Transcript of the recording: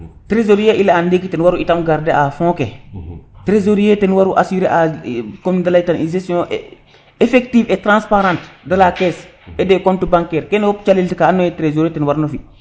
tresorier i leyan ndiki ten war itam garder a fonds ke tresorier ten waru assurer a comme ne i ley tan gestion et effective et transparente de la :far caisse et des copmte bancaire kene fop calel ka ando naye tresorier ten war no fi